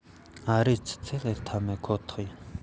ཨ རིའི ཆུ ཚད སླེབས ཐབས མེད ཁོ ཐག ཡིན